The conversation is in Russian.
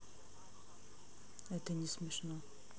это не смешно